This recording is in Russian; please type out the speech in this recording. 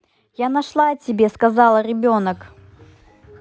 я нашла тебе сказала ребенок